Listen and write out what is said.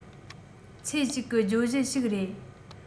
ཚེ གཅིག གི བརྗོད གཞི ཞིག རེད